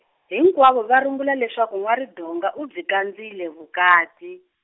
hinkwavo va rungula leswaku N'wa-Ridonga u byi kandzile vukati.